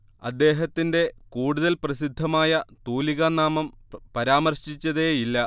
അദ്ദേഹത്തിന്റെ കൂടുതൽ പ്രസിദ്ധമായ തൂലികാനാമം പരാമർശിച്ചതേയില്ല